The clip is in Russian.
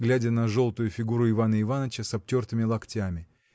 глядя на желтую фигуру Ивана Иваныча с обтертыми локтями.